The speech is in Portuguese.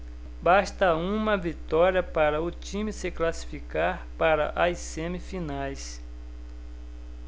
basta uma vitória para o time se classificar para as semifinais